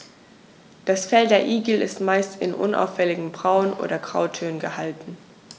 Das Fell der Igel ist meist in unauffälligen Braun- oder Grautönen gehalten.